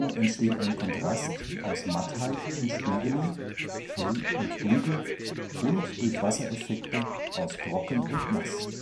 entsteht ein Kontrast aus Mattheit und Spiegelung, hell und dunkel und durch Wassereffekte aus trocken und nass